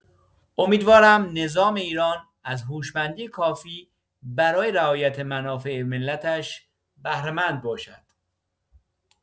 امیدوارم نظام ایران از هوشمندی کافی برای رعایت منافع ملتش بهره‌مند باشد.